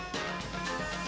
cũ